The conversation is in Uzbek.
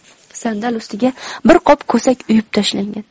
sandal ustiga bir qop ko'sak uyub tashlangan